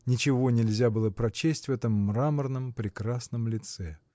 – ничего нельзя было прочесть на этом мраморном прекрасном лице.